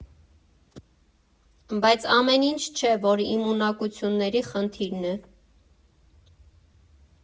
Բայց ամեն ինչ չէ, որ իմ ունակությունների խնդիրն է։